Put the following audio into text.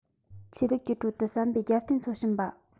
ཆོས ལུགས ཀྱི ཁྲོད དུ བསམ པའི རྒྱབ རྟེན འཚོལ ཕྱིན པ